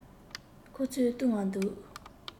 ཁོ ཚོས བཏུང བ འདུག